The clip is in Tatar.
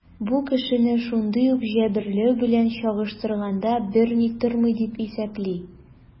Бу кешене шундый ук җәберләү белән чагыштырганда берни тормый, дип исәпли.